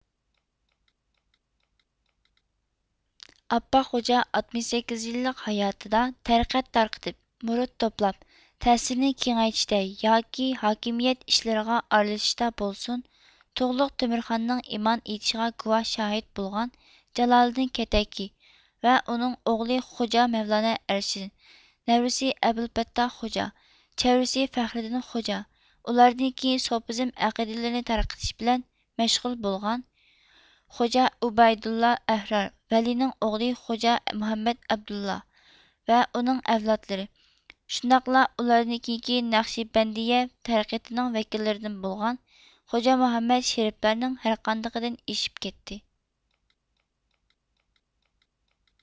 ئاپپاق خوجا ئاتمىش سەككىز يىللىق ھاياتىدا تەرىقەت تارقىتىپ مۇرىت توپلاپ تەسىرىنى كېڭەيتىشتە ياكى ھاكىمىيەت ئىشلىرىغا ئارىلىشىشتا بولسۇن تۇغلۇق تۆمۈرخاننىڭ ئىمان ئېيتىشىغا گۇۋاھ شاھىت بولغان جالالىدىن كەتەكىي ۋە ئۇنىڭ ئوغلى خوجا مەۋلانە ئەرشىدىن نەۋرىسى ئەبۇل فەتتاھ خوجا چەۋرىسى فەخرىدىن خوجا ئۇلاردىن كېيىن سوپىزم ئەقىدىلىرىنى تارقىتىش بىلەن مەشغۇل بولغان خوجا ئۇبەيدۇللا ئەھرار ۋەلىنىڭ ئوغلى خوجا مۇھەممەد ئابدۇللاھ ۋە ئۇنىڭ ئەۋلادلىرى شۇنداقلا ئۇلاردىن كېيىنكى نەقشىبەندىيە تەرىقىتىنىڭ ۋەكىللىرىدىن بولغان خوجا مۇھەممەد شېرىپلارنىڭ ھەر قاندىقىدىن ئېشىپ كەتتى